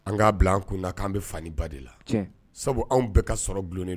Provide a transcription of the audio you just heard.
An k' bila an kun k'an bɛ fa ba de la sabu anw bɛɛ ka sɔrɔ bulonlonnen